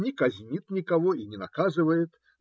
не казнит никого и не наказывает